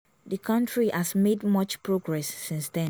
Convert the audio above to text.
The country has made much progress since then.